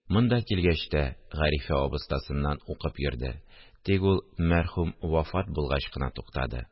Монда килгәч тә, Гарифә абыстасыннан укып йөрде, тик ул мәрхүм вафат булгач кына туктады